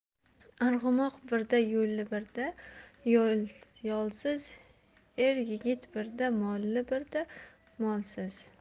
arg'umoq birda yolli birda yolsiz er yigit birda molli birda molsiz